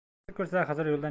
qizil ko'rsa xizir yo'ldan chiqar